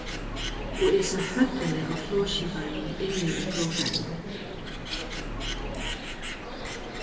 og eg sá høvdini á flogskiparanum inni í flogfarinum